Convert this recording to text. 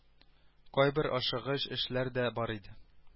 Кайбер ашыгыч эшләр дә бар иде